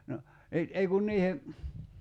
no niin ei kun niiden